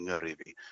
ngyrru fi